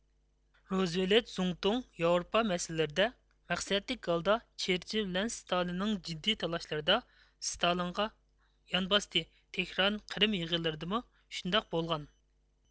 روزۋېلت زۇڭتۇڭ ياۋروپا مەسىلىلىرىدە مەقسەتلىك ھالدا چېرچىل بىلەن ستالىننىڭ جىددىي تالىشىشلىرىدا سىتالىنغا يان باساتتى تېھران قىرىم يىغىنلىرىدىمۇ شۇنداق بولغان